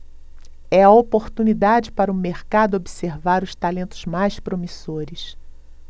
é a oportunidade para o mercado observar os talentos mais promissores